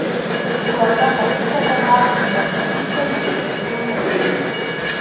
Шуларда качып ятарга үзенә берничә яшерен урын әзерли.